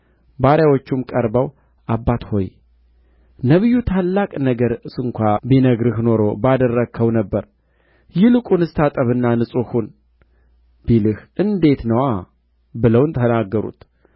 አባናና ፋርፋ ከእስራኤል ውኆች ሁሉ አይሻሉምን በእነርሱስ ውስጥ መታጠብና መንጻት አይቻለኝም ኖሮአልን ዘወርም ብሎ ተቈጥቶ ሄደ